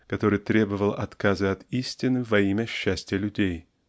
который требовал отказа от истины во имя-счастья людей.